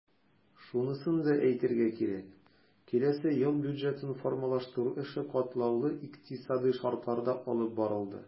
Шунысын да әйтергә кирәк, киләсе ел бюджетын формалаштыру эше катлаулы икътисадый шартларда алып барылды.